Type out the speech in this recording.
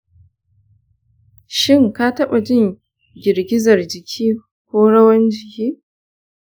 shin ka taba jin girgizar jiki ko rawan jiki?